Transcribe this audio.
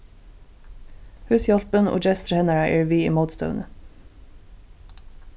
húshjálpin og gestir hennara eru við í mótstøðuni